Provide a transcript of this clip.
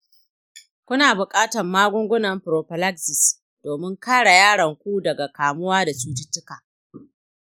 kuna buƙatan magungunan prophylaxis domin kare yaron ku daga kamuwa da cututtuka